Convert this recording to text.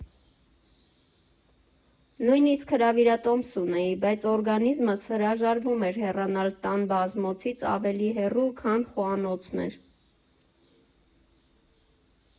Նույնիսկ հրավիրատոմս ունեի, բայց օրգանիզմս հրաժարվում էր հեռանալ տան բազմոցից ավելի հեռու, քան խոհանոցն էր։